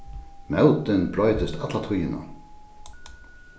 mótin broytist alla tíðina